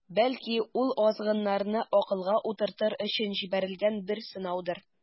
Бәлки, ул азгыннарны акылга утыртыр өчен җибәрелгән бер сынаудыр.